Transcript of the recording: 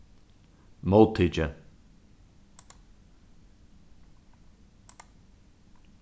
móttikið